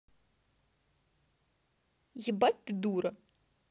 ебать ты дура